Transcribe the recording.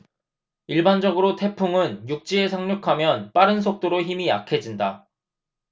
일반적으로 태풍은 육지에 상륙하면 빠른 속도로 힘이 약해진다